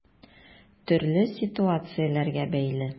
Төрле ситуацияләргә бәйле.